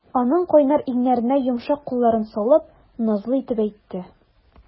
Аның кайнар иңнәренә йомшак кулларын салып, назлы итеп әйтте.